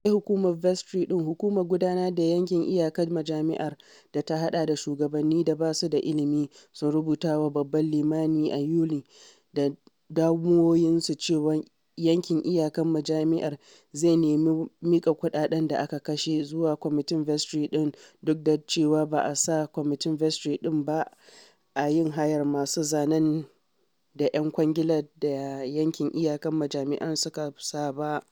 Sai kwamitin vestry ɗin - hukumar gudanar da yankin iyakar majami’ar, da ta haɗa da shugabanni da ba su da ilimi - sun rubuta wa babban limamin a Yuli da damuwowinsu cewa yankin iyakar majami’ar “zai nemi mika kuɗaɗen da aka kashe” zuwa kwamitin vestry ɗin, duk da cewa ba a sa kwamitin vestry ɗin ba a yin hayar masu zanen da ‘yan kwangilar da yankin iyakar majami’ar suka sa ba.